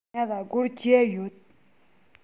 ང ལ སྒོར བརྒྱ ཡོད